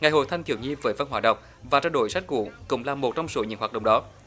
ngày hội thanh thiếu nhi với văn hóa đọc và trao đổi sách cũ cũng là một trong số những hoạt động đó